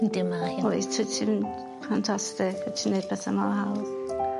'Di ma' hi. Wyt wyt ti'n ffantastic wt ti'n neud pethe mor hawdd.